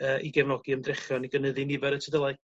yy i gefnogi ymdrechion i gynyddu nifer y tudylai